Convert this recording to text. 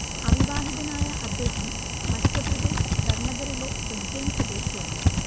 അവിവാഹിതനായ അദ്ദേഹം മധ്യപ്രദേശ് ബർണഗറിലെ ഉജ്ജയിൻ സ്വദേശിയാണ്